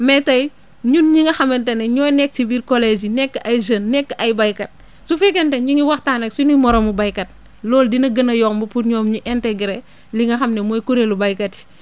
mais tey ñun ñi nga xamante ne ñooy nekk si biir collèges yi nekk ay jeunes nekk ay baykat su fekkente ne ñu ngi waxtaan ak suñu moromu baykat loolu dina gën a yomb pour ñoom ñu intégrer li nga xam ne mooy kuréelu baykat yi